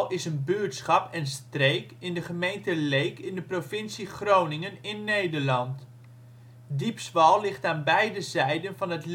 is een buurtschap en streek in de gemeente Leek in de provincie Groningen in Nederland. Diepswal ligt aan beide zijden van het